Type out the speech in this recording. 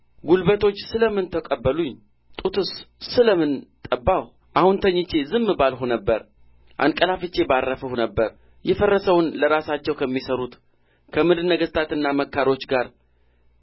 ጕልበቶች ስለ ምን ተቀበሉኝ ጡትስ ስለ ምን ጠባሁ አሁን ተኝቼ ዝም ባልሁ ነበር አንቀላፍቼ ባረፍሁ ነበር የፈረሰውን ለራሳቸው ከሚሠሩት ከምድር ነገሥታትና መካሮች ጋር